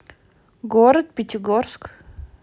город пятигорск